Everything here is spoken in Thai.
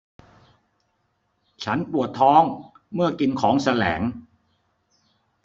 ฉันปวดท้องเมื่อกินของแสลง